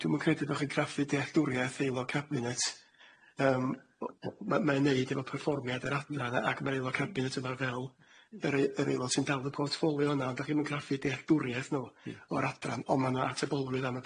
Dwi'm yn credu fod chi'n craffu dealltwriaeth aelod cabinet yym ma ma i neud efo perfformiad yr adran a mae aelod cabinet yma fel yr aelod syn dal y portfolio yna ond da chi'm yn craffu dealltwriaeth nhw o'r adran ond ma na atebolrwydd am y